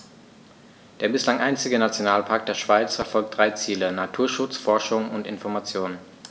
Der bislang einzige Nationalpark der Schweiz verfolgt drei Ziele: Naturschutz, Forschung und Information.